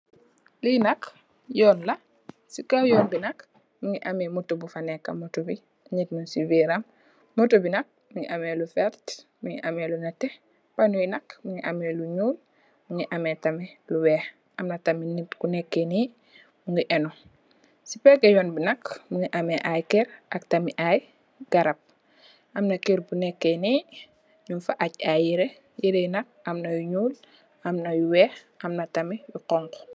Ii nak Yoon la, si kow Yoon bi, mu ngi amee otto bu fa nekkë, nit muñ si biram, motto bi nak, mu ngi am lu werta, mu ngi am lu nétté, poonu yi nak, mu ngi amee lu ñuul, mu ngi amee, lu weex. Am na tam, nit ku neekë nii, mu ngi ennu, si péggë yoon bi nak, mu ngi amee kér, am ay garab, am na kër gu neekë ni, ñung fa ajj ay yire, yire yire nak, am na yu ñuul, am na yu weex, am na tam yu xoñxu.